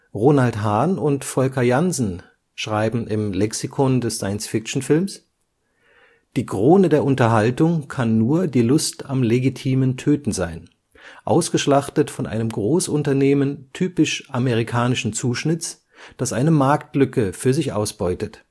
Ronald M. Hahn, Volker Jansen, Lexikon des Science-fiction-Films: Die Krone der Unterhaltung kann nur die Lust am legitimierten Töten sein, ausgeschlachtet von einem Großunternehmen typisch amerikanischen Zuschnitts, das eine Marktlücke für sich ausbeutet